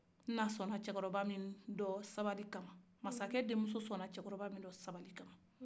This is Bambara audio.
ina sɔnna cɛkɔrɔba min na sabali kama masakɛ denmuso sɔnna cɛkɔrɔba min nɔ sabali kama